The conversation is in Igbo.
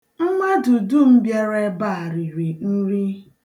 Mmadụ dum bịara ebe a riri nri.